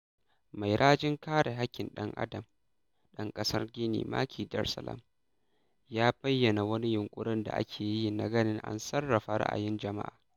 Mai rajin kare haƙƙin ɗan adam ɗan ƙasar Gini Macky Darsalam ya bayyana wani yunƙuri da ake yi na ganin an sarrafa ra'ayin jama'a.